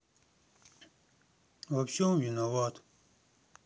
во всем виноват